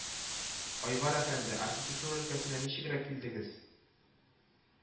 Айвар әфәнде, архитектура өлкәсенә ничегрәк килдегез